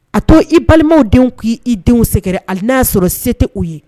A to i balimaw denw k' i denw sɛgɛrɛ ale n'a y'a sɔrɔ se tɛ u ye